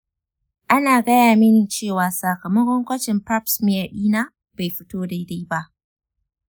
an gaya mini cewa sakamakon gwajin pap smear ɗina bai fito daidai ba.